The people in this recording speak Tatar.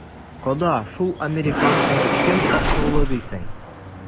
Кода, шул американканы кем акыллы дисен?